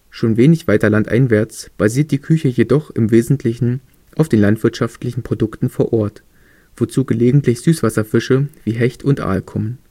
Schon wenig weiter landeinwärts basiert die Küche jedoch im Wesentlichen auf den landwirtschaftlichen Produkten vor Ort, wozu gelegentlich Süßwasserfische wie Hecht und Aal kommen